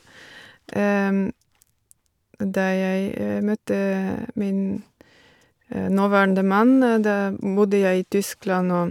Da jeg møtte min nåværende mann, da bodde jeg i Tyskland, og...